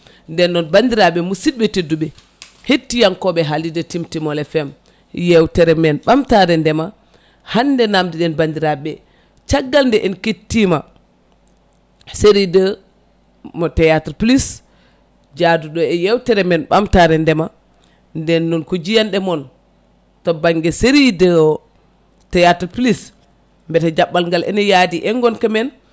nden noon bandiraɓe musidɓe tedduɓe hettiyankoɓe haalirde Timtimol FM yewtere men ɓamtare ndeema hande namdi ɗen bandiraɓe caggal nde en kettima série 2 mo théâtre plus jaaduɗo e yewtere men ɓamtare ndeema nden noon ko jiyanɗe moon to banggue série 2 o théâtre plus beete jaɓɓal ngal ene yaadi e gonka men